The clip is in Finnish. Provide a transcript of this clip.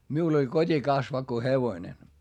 minulla oli kotikasvakko hevonen